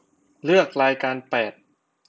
เลือกรายการแปด